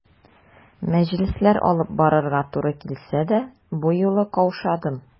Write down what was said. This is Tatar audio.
Мәҗлесләр алып барырга туры килсә дә, бу юлы каушадым.